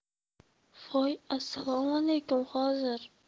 voy assalomu alaykum hozir